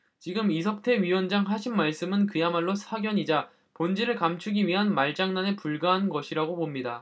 지금 이석태 위원장 하신 말씀은 그야말로 사견이자 본질을 감추기 위한 말장난에 불과한 것이라고 봅니다